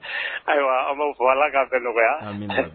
Ayiwa an b'aw fo Ala k'a bɛɛ nɔgɔya amina